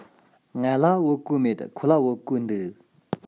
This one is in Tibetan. ང ལ བོད གོས མེད ཁོ ལ བོད གོས འདུག